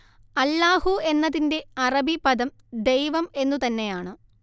അല്ലാഹു എന്നതിന്റെ അറബി പദം ദൈവം എന്നു തന്നെയാണ്